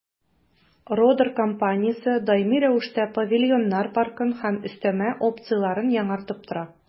«родер» компаниясе даими рәвештә павильоннар паркын һәм өстәмә опцияләрен яңартып тора.